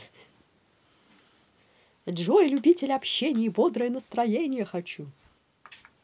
джой любитель общения и бодрое настроение хочу